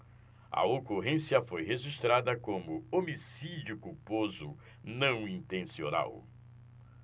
a ocorrência foi registrada como homicídio culposo não intencional